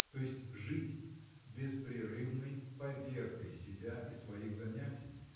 то есть жить с беспрерывной поверкой себя и своих занятий.